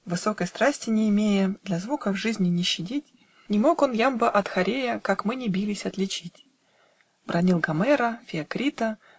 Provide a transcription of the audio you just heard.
Высокой страсти не имея Для звуков жизни не щадить, Не мог он ямба от хорея, Как мы ни бились, отличить. Бранил Гомера, Феокрита